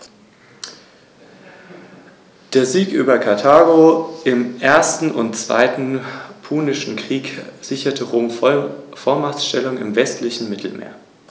In der römisch-katholischen Kirche ist Latein bis heute offizielle Amtssprache.